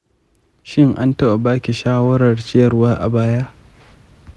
shin an taɓa ba ki shawarar ciyarwa a baya?